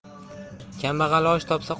kambag'al osh topsa